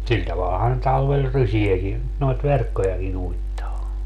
sillä tavallahan ne talvella rysiäkin noita verkkojakin uittaa